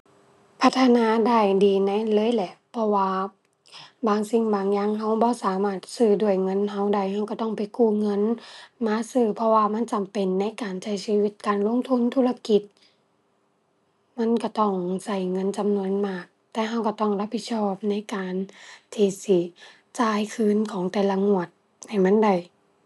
พัฒนาได้ดี ใน เลยแหละ เพราะว่าบางสิ่งบางอย่างเราบ่สามารถซื้อด้วยเงินเราได้ เราเราต้องไปกู้เงินมาซื้อ เพราะว่ามันจำเป็นในการใช้ชีวิต การลงทุนธุรกิจ มันเราต้องเราเงินจำนวนมาก แต่เราเราต้องรับผิดชอบในการที่สิจ่ายคืนของแต่ละงวดให้มันได้